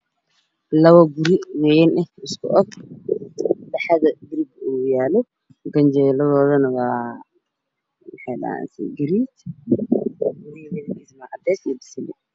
Laba guri weyn isku eg tahay caddeeys dhulka waa caddaan darbiga waa qaxay